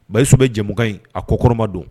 Bayisu bɛ jɛmukan in a ko kɔrɔma don